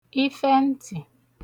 ifẹ ntị̀